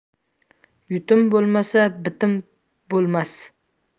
yutim bo'lmasa bitim bo'lmas